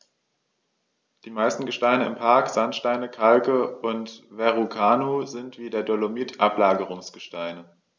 Die meisten Gesteine im Park – Sandsteine, Kalke und Verrucano – sind wie der Dolomit Ablagerungsgesteine.